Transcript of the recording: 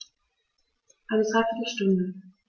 Eine dreiviertel Stunde